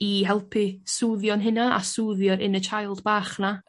I helpu swddio'n hunan a swddio inner child bach 'na.